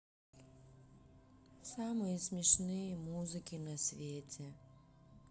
самые смешные музыки на свете